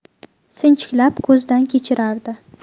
sinchiklab ko'zdan kechirardi